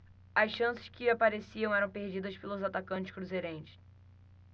as chances que apareciam eram perdidas pelos atacantes cruzeirenses